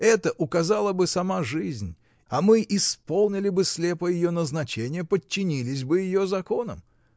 Это указала бы сама жизнь, а мы исполнили бы слепо ее назначение, подчинились бы ее законам.